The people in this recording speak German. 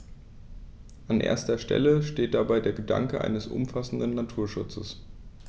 An erster Stelle steht dabei der Gedanke eines umfassenden Naturschutzes.